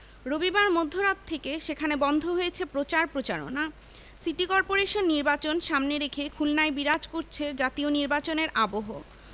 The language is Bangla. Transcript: রবিবার মধ্যরাত থেকে সেখানে বন্ধ হয়েছে প্রচার প্রচারণা সিটি করপোরেশন নির্বাচন সামনে রেখে খুলনায় বিরাজ করছে জাতীয় নির্বাচনের আবহ